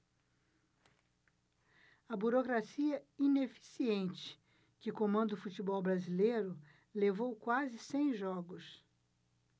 a burocracia ineficiente que comanda o futebol brasileiro levou quase cem jogos